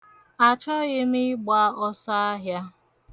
Achọghị m ịgba ọsọahịa.